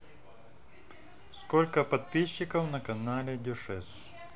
сколько подписчиков на канале дюшес